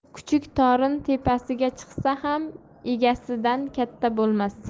kuchuk torn tepasiga chiqsa ham egasidan katta bo'lmas